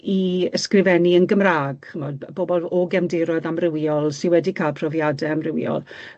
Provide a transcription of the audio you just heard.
i ysgrifennu yn Gymra'g, ch'mod bobol o gefndiroedd amrywiol sy wedi ca'l profiade amrywiol